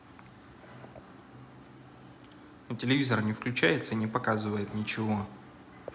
но телевизор не включается не показывает ничего